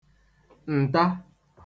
ǹta